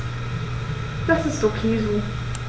Das ist ok so.